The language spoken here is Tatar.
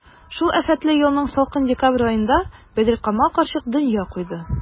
Шул афәтле елның салкын декабрь аенда Бәдрикамал карчык дөнья куйды.